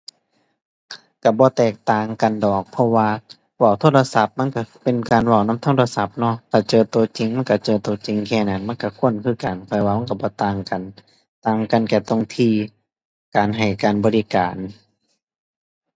ก็บ่แตกต่างกันดอก เพราะว่าเว้าโทรศัพท์ มันก็เป็นการเว้านำโทรศัพท์เนาะ ถ้าเจอก็จริงมันก็เจอก็จริงแค่นั้น มันก็คนคือกัน ข้อยว่ามันก็บ่ต่างกัน ต่างกันแค่ตรงที่การให้การบริการ